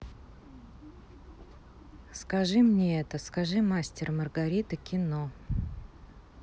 скажи мне это скажи мастер и маргарита кино